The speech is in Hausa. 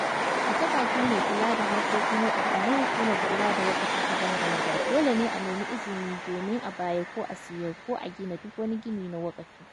A ta bakin mai kula da harkokin waƙafi na Hukumar kula da Waƙafi ta Bangaladesh, dole ne a nemi izini domin a bayar ko sayar ko gina duk wani gini na waƙafi.